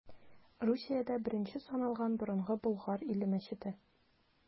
Русиядә беренче саналган Борынгы Болгар иле мәчете.